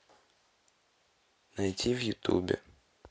найти в ютубе